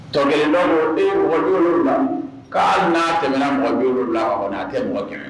Tɔ kelen tɔ ko ee mɔgɔ 70 ! k'ali n'a tɛmɛna mɔgɔ 70 kan kɔni a tɛ bi!